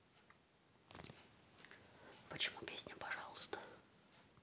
почему песня пожалуйста